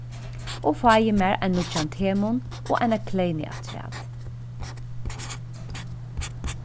og fái mær ein nýggjan temunn og eina kleynu afturat